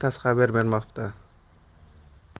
tass xabar bermoqda